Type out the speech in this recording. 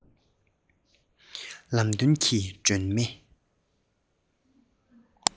ལམ སྟོན གྱི སྒྲོན མེ